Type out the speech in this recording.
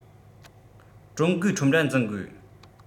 ཀྲུང གོའི ཁྲོམ རར འཛིན དགོས